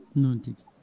noon tigui